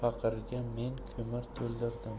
men ko'mir to'ldirdim